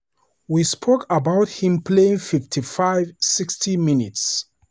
"We spoke about him playing 55, 60 minutes.